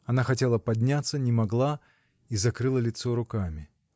Она хотела подняться, не могла и закрыла лицо руками.